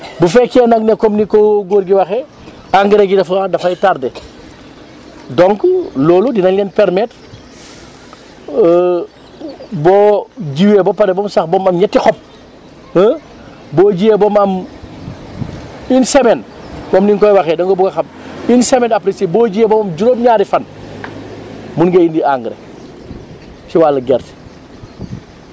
bu fekkee nag comme ni ko góor gi waxee engrais gi defe naa dafay tardé donc loolu dina leen permettre boo jiwee ba pare ba mu sax am ñetti xob boo jiyee ba mu am une semaine comme ni nga koy waxee da nga bëgg a xam une semaine après si boo jiyee ba mu am juróom-ñaari fan mun nga indi engrais ci wàllu gerte